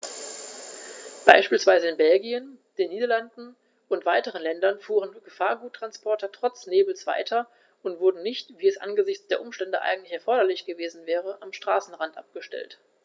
Beispielsweise in Belgien, den Niederlanden und weiteren Ländern fuhren Gefahrguttransporter trotz Nebels weiter und wurden nicht, wie es angesichts der Umstände eigentlich erforderlich gewesen wäre, am Straßenrand abgestellt.